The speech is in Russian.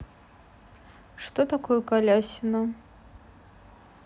что такое калясина